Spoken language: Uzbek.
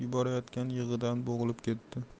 yuborayotgan yig'idan bo'g'ilib ketdi